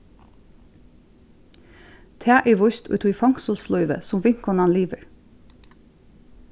tað er víst í tí fongsulslívi sum vinkonan livir